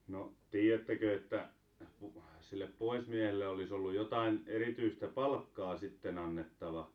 no tiedättekö että - sille puhemiehelle olisi ollut jotakin erityistä palkkaa sitten annettava